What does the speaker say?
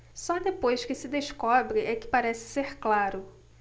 só depois que se descobre é que parece ser claro